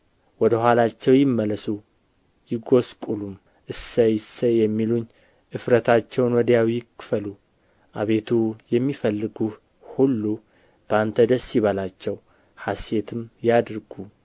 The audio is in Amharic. ወደ ኋላቸው ይመለሱ ይጐስቍሉም እሰይ እሰይ የሚሉኝ እፍረታቸውን ወዲያው ይከፈሉ አቤቱ የሚፈልጉህ ሁሉ በአንተ ደስ ይበላቸው ሐሤትም ያድርጉ